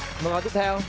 câu hỏi tiếp theo